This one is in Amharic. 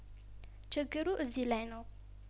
ችግሩ እዚህ ላይ ነው